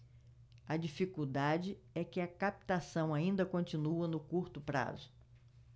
a dificuldade é que a captação ainda continua no curto prazo